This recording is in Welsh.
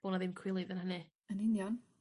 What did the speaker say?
bo' 'na ddim cwilydd yn hynny. Yn union.